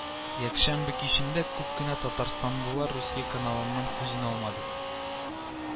Якшәмбе кичендә күп кенә татарстанлылар Русия каналыннан күзен алмады